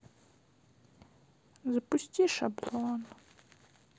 запусти шаблон